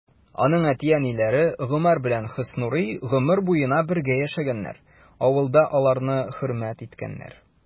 Аның әти-әниләре Гомәр белән Хөснурый гомер буена бергә яшәгәннәр, авылда аларны хөрмәт иткәннәр.